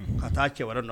Ka taa cɛ wɛrɛ nɔ